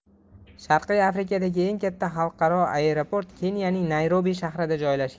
sharqiy afrikadagi eng katta alqaro aeroport keniyaning nayrobi shahrida joylashgan